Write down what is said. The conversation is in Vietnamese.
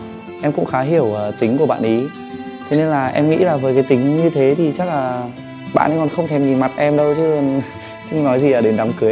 em cũng khá hiểu tính của bạn ý thế nên là em nghĩ là với cái tính như thế thì chắc là bạn ấy còn không thèm nhìn mặt em đâu chứ còn nói gì là đến đám cưới